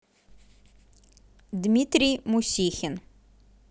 дмитрий мусихин